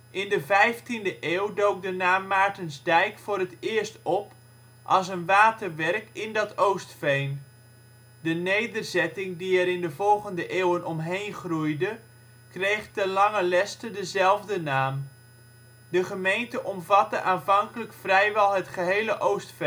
In de vijftiende eeuw dook de naam Maartensdijk voor het eerst op, als een waterwerk in dat Oostveen. De nederzetting die er in de volgende eeuwen omheengroeide kreeg ten langen leste dezelfde naam. De gemeente omvatte aanvankelijk vrijwel het gehele Oostveen